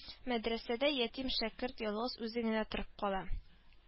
Мәдрәсәдә ятим шәкерт ялгыз үзе генә торып кала